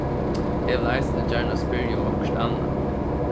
eg vil eisini gjarna spyrja um okkurt annað